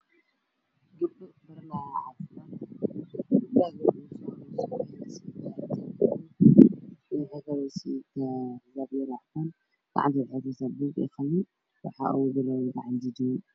Waa gabdho waxa ay baranayaan waxay wataan xijaab caddaan cabaahin madow cashar iyo qorigan